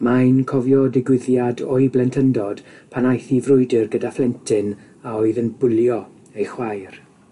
Mae'n cofio digwyddiad o'i blentyndod pan aeth i frwydyr gyda phlentyn a oedd yn bwlio ei chwaer.